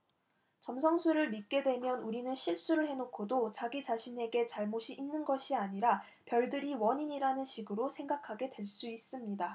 점성술을 믿게 되면 우리는 실수를 해 놓고도 자기 자신에게 잘못이 있는 것이 아니라 별들이 원인이라는 식으로 생각하게 될 수 있습니다